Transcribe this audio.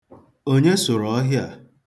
Onye sụrụ ọhịa a?